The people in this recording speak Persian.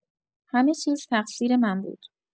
همه‌چیز تقصیر من بود.